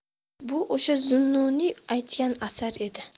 bu o'sha zunnuniy aytgan asar edi